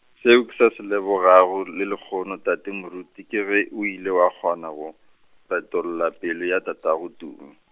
seo ke sa se lebogago le lehono tate moruti ke ge o ile wa kgona go, retolla pelo ya tatagoTumi.